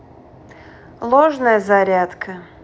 ложная зарядка